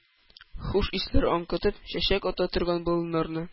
Хуш исләр аңкытып чәчәк ата торган болыннарны,